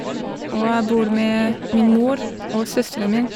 Og jeg bor med min mor og søsteren min.